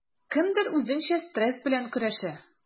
Кемдер үзенчә стресс белән көрәшә.